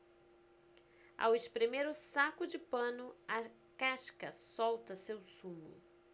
ao espremer o saco de pano a casca solta seu sumo